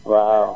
waawaaw